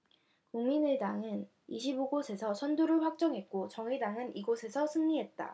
국민의당은 이십 오 곳에서 선두를 확정했고 정의당은 이 곳에서 승리했다